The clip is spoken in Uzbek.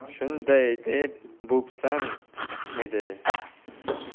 shunday deb bo'psan edi